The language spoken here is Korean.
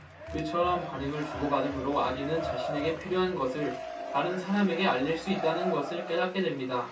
그처럼 반응을 주고받음으로 아기는 자신에게 필요한 것을 다른 사람들에게 알릴 수 있다는 것을 깨닫게 됩니다